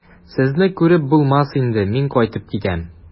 Сезне күреп булмас инде, мин кайтып китәм.